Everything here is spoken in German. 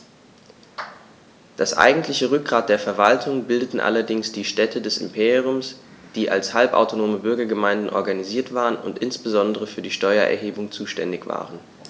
Das eigentliche Rückgrat der Verwaltung bildeten allerdings die Städte des Imperiums, die als halbautonome Bürgergemeinden organisiert waren und insbesondere für die Steuererhebung zuständig waren.